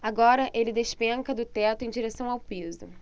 agora ele despenca do teto em direção ao piso